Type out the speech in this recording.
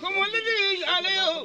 Ko mɔdi tɛ ale ye